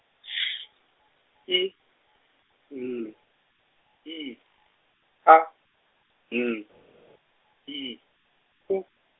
S I N I A N I U.